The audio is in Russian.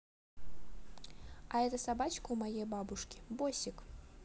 а это собачка у моей бабушки боссик